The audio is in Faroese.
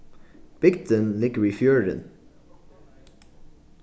bygdin liggur við fjørðin